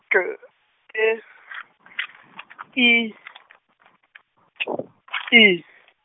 K E I T I.